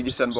waaw